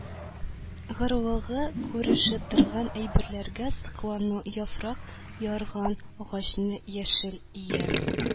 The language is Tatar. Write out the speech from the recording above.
Рырлыгы күренеп торган әйбергә соклану – яфрак ярган агачны – яшел йә